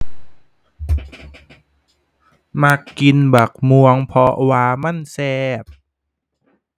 มักกินบักม่วง เพราะว่ามันแซ่บ